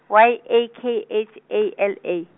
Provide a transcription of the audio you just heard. Y A K H A L A.